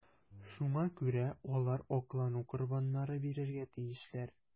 Шуңа күрә алар аклану корбаннары бирергә тиешләр.